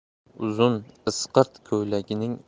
uzun isqirt ko'ylagining